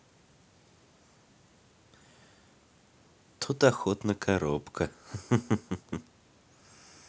тут охотно коробка ха ха ха